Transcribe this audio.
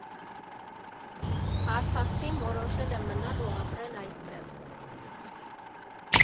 Արցախցին որոշել է մնալ ու ապրել այստեղ։